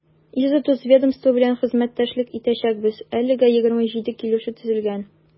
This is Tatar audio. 130 ведомство белән хезмәттәшлек итәчәкбез, әлегә 27 килешү төзелгән.